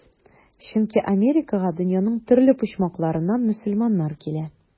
Чөнки Америкага дөньяның төрле почмакларыннан мөселманнар килә.